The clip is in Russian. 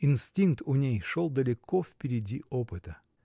Инстинкт у ней шел далеко впереди опыта.